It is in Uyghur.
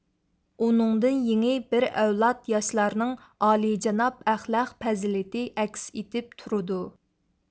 ئۇنىڭدىن يېڭى بىر ئەۋلاد ياشلارنىڭ ئالىيجاناب ئەخلاق پەزىلىتى ئەكس ئېتىپ تۇرىدۇ